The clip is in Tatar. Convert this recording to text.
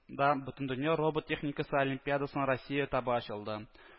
Да бөтендөнья робот техникасы олимпиадасының россия этабы ачылды